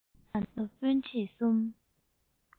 ང ཚོ སྤུན མཆེད གསུམ